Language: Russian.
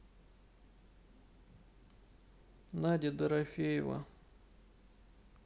надя дорофеева